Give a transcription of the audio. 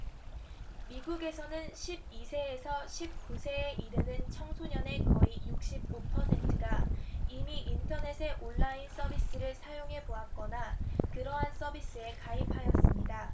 미국에서는 십 이 세에서 십 구 세에 이르는 청소년의 거의 육십 오 퍼센트가 이미 인터넷의 온라인 서비스를 사용해 보았거나 그러한 서비스에 가입하였습니다